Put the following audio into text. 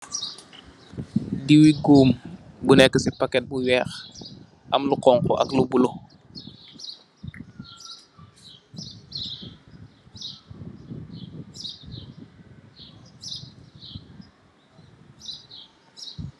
Diwi goam, bu nek si packet bu weekh, am lu khonkhu ak lu buleuh.